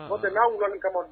O n'anw ka nin kama don